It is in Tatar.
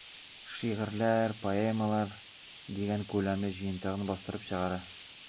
"шигырьләр, поэмалар” дигән күләмле җыентыгын бастырып чыгара.